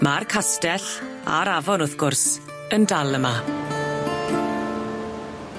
Ma'r castell, a'r afon wrth gwrs, yn dal yma.